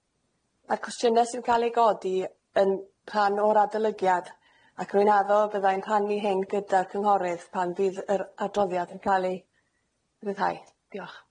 Ma'r cwestiyne sy'n ca'l eu godi yn rhan o'r adolygiad, ac rwy'n addo fydda i'n rhannu hyn gyda'r cynghorydd pan fydd yr adroddiad yn ca'l ei ryddhau. Diolch.